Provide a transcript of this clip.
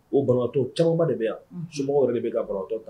O bantɔ caman de bɛ yan so de bɛ ka bantɔ kan